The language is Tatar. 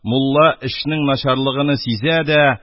Мулла, эшнең начарлыгыны сизә дә,